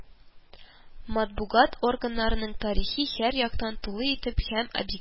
Матбугат органнарының тарихы һәр яктан тулы итеп һәм объектив яктыртыла